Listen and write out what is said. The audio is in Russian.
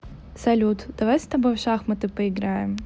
салют давай с тобой в шахматы поиграем